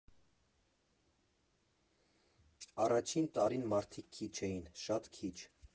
Առաջին տարին մարդիկ քիչ էին, շատ քիչ։